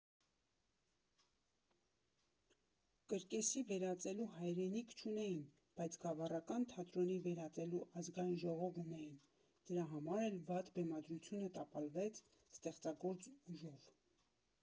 Կրկեսի վերածելու հայրենիք չունեին, բայց գավառական թատրոնի վերածելու Ազգային ժողով ունեին, դրա համար էլ վատ բեմադրությունը տապալվեց ստեղծագործ ուժով…